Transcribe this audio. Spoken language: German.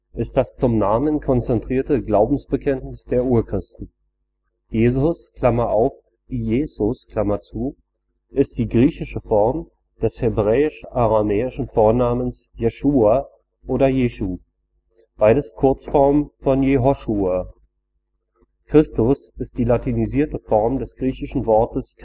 ist das zum Namen konzentrierte Glaubensbekenntnis der Urchristen. Jesus (griech. Ἰησοῦς Iēsūs) ist die griechische Form des hebräisch/aramäischen Vornamens Jeschua oder Jeschu, beides Kurzformen von Jehoschua. Christus ist die latinisierte Form des griechischen Wortes